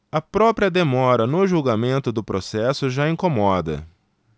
a própria demora no julgamento do processo já incomoda